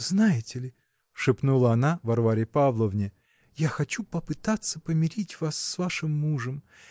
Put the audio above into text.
-- Знаете ли, -- шепнула она Варваре Павловне, -- я хочу попытаться помирить, вас с вашим мужем